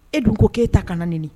E dun ko k'o e ta kana nɛni